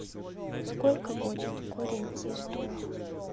сколько будет корень из двух